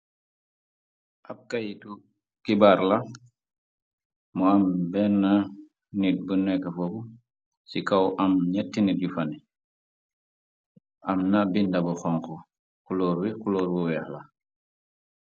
Ab kayitu kibaar la moo am benn nit bu nekk fob ci kaw am ñetti nit yu fane am na bindabu xonku kulóor wi kulóor bu weex la.